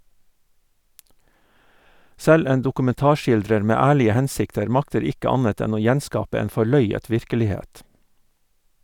Selv en dokumentarskildrer med ærlige hensikter makter ikke annet enn å gjenskape en forløyet virkelighet.